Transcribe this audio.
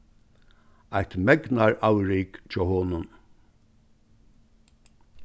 eitt megnaravrik hjá honum